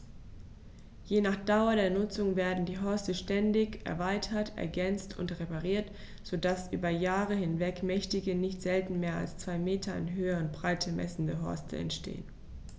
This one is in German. Je nach Dauer der Nutzung werden die Horste ständig erweitert, ergänzt und repariert, so dass über Jahre hinweg mächtige, nicht selten mehr als zwei Meter in Höhe und Breite messende Horste entstehen.